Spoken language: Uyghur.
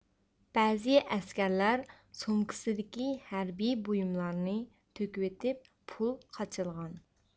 بەزى ئەسكەرلەر سومكىسىدىكى ھەربىي بۇيۇملارنى تۆكۈۋېتىپ پۇل قاچىلىغان